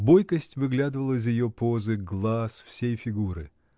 Бойкость выглядывала из ее позы, глаз, всей фигуры.